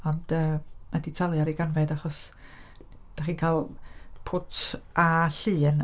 Ond, yy, mae 'di talu ar ei ganfed achos dach chi'n cael pwt a llun.